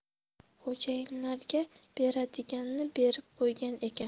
xo'jayinlarga beradiganini berib qo'ygan ekan